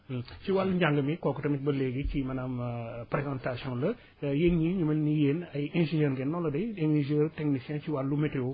ci wàllu njàng mi kooku tamit ba léegi ci maanaam présentation la yéen ñii ñu mel ni yéen ay ingénieurs ngeen noonu la de ingénieur technicien si wàllu météo